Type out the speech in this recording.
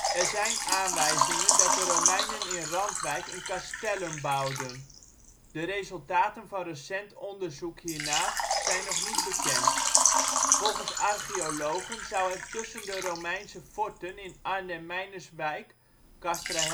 zijn aanwijzingen dat de Romeinen in Randwijk een castellum bouwden. De resultaten van recent onderzoek hiernaar zijn nog niet bekend. Volgens archeologen zou er tussen de Romeinse forten in Arnhem-Meinerswijk (Castra